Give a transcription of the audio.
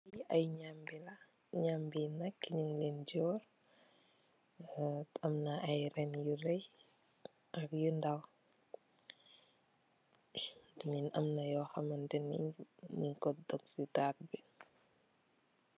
Li ay nyambi la nyambi nak nyun len joor amna ay renn yu raay ak yu ndaw amna yu hamanteneh nyung ko teg si bag bi.